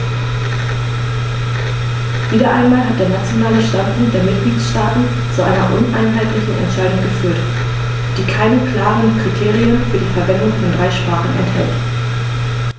Wieder einmal hat der nationale Standpunkt der Mitgliedsstaaten zu einer uneinheitlichen Entscheidung geführt, die keine klaren Kriterien für die Verwendung von drei Sprachen enthält.